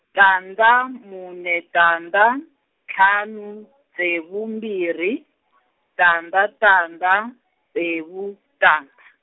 tandza mune tandza, ntlhanu ntsevu mbirhi , tandza tandza , ntsevu tandza.